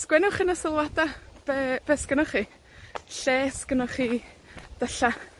Sgwennwch yn y sylwada be', be' 'sgennoch chi. Lle 'sgennoch chi falla,